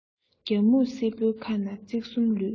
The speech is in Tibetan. རྒྱ སྨྱུག གསེར པོའི ཁ ནས ཚིག གསུམ ལུས